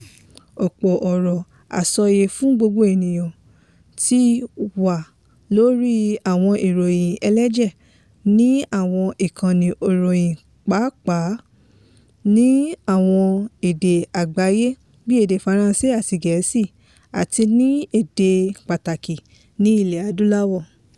Ọ̀pọ̀ ọ̀rọ̀ àsọyé fún gbogbo ènìyàn ti wà lórí àwọn ìròyìn ẹlẹ́jẹ̀ ní àwọn ìkànnì ìròyìn, pàápàá ni àwọn èdè àgbáyé bíi èdè Faransé àti Gẹ̀ẹ́sì, àti ní àwọn èdè pàtàkì ní Ilẹ̀ Adúláwò.